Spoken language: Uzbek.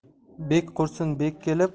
bek qursin bek kelib